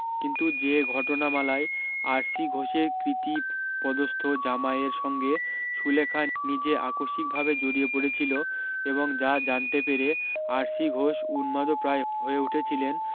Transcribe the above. কিন্তু যে ঘটনামালায় আর সি ঘোষের কৃতী পদস্থ জামাইয়ের সঙ্গে সুলেখা নিজে আকস্মিকভাবে জড়িয়ে পড়েছিল এবং যা জানতে পেরে আর সি ঘোষ উন্মাদপ্রায় হয়ে উঠেছিলেন